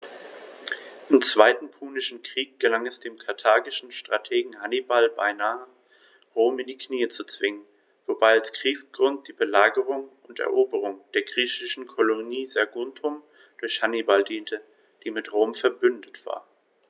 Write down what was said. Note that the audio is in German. Im Zweiten Punischen Krieg gelang es dem karthagischen Strategen Hannibal beinahe, Rom in die Knie zu zwingen, wobei als Kriegsgrund die Belagerung und Eroberung der griechischen Kolonie Saguntum durch Hannibal diente, die mit Rom „verbündet“ war.